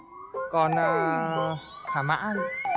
con hà mã